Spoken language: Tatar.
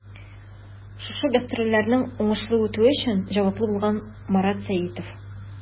Шушы гастрольләрнең уңышлы үтүе өчен дә җаваплы булган Марат Сәитов.